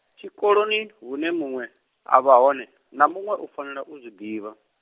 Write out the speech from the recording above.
tshikoloni hune muṅwe, a vha hone, na muṅwe u fanela u zwi ḓivha.